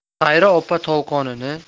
xayri opa tolqonini